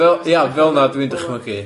Fel- ia fel 'na dw i'n dychmygu.